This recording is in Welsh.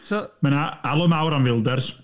So... Mae 'na alw mawr am fildars.